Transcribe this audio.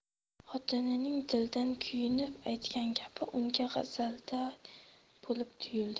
xotinining dildan kuyinib aytgan gapi unga g'arazday bo'lib tuyuldi